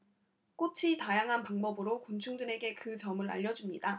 꽃이 다양한 방법으로 곤충들에게 그 점을 알려 줍니다